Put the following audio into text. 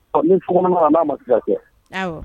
Ɔ ni an n'a ma si kɛ